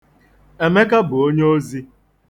Emeka bụ onyoozī.